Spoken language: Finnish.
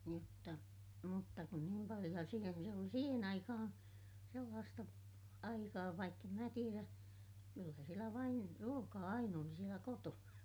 mutta mutta kun niin paljon ja siinä vielä oli siihen aikaan sellaista aikaa vaikka en minä tiedä kyllä siellä vain ruokaa aina oli siellä kotona